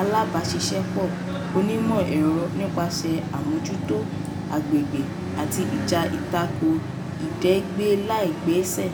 alábàáṣepọ̀ onímọ̀-ẹ̀rọ nípasẹ̀ àmójútó agbègbè àti ìjà tako ìdẹ̀gbẹ́láìgbàṣẹ.